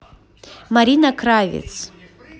марина кравец